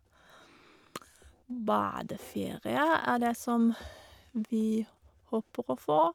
Badeferie er det som vi håper å få.